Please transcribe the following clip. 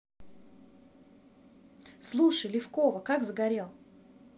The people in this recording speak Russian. слушай левкова как загорел